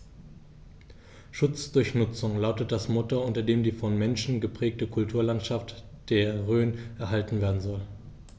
„Schutz durch Nutzung“ lautet das Motto, unter dem die vom Menschen geprägte Kulturlandschaft der Rhön erhalten werden soll.